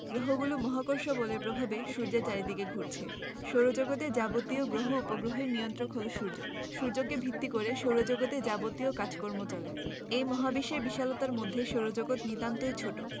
গ্রহগুলো মহাকর্ষ বলের প্রভাবে সূর্যের চারদিকে ঘুরছে সৌরজগতের যাবতীয় গ্রহউপগ্রহের নিয়ন্ত্রক হলো সূর্য সূর্যকে ভিত্তি করে সৌরজগতের যাবতীয় কাজকর্ম চলে এই মহাবিশ্বের বিশালতার মধ্যে সৌরজগৎ নিতান্তই ছোট